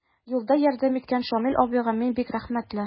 Юлда ярдәм иткән Шамил абыйга мин бик рәхмәтле.